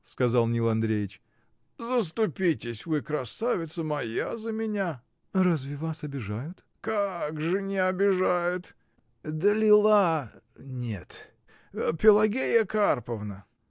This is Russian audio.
— сказал Нил Андреич, — заступитесь вы, красавица моя, за меня! — Разве вас обижают? — Как же не обижают! Далила. нет — Пелагея Карповна.